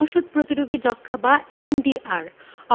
ওষুধ প্রতিরোধী যক্ষ্মা বা এমডিআর